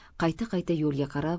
qayta qayta yo'lga qarab